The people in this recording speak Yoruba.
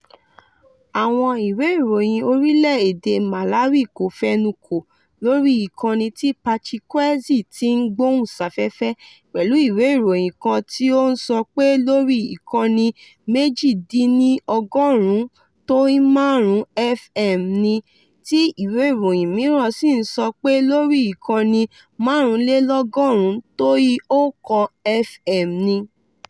Àwọn ìwé ìròyìn orílẹ̀ èdè Malawi kò fenukò lórí ìkànnì tí Pachikweze tí ń gbóhùnsáfẹ́fẹ́, pẹ̀lú ìwé ìròyìn kan tí ó ń sọ pé lórí ìkànnì 98.5FM ni, tí ìwé ìròyìn mìíràn sì ń sọ pé lórí ìkànnì 105.1FM ni.